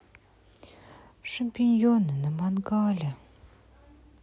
шампиньоны на мангале